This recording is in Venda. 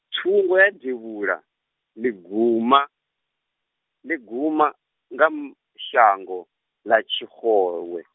thungo devhuḽa, ḽi guma, ḽi guma, nga shango, ḽa Tshixowe.